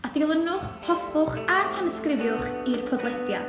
A dilynwch, hoffwch a tanysgrifiwch i'r podlediad.